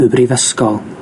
y brifysgol.